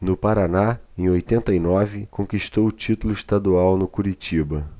no paraná em oitenta e nove conquistou o título estadual no curitiba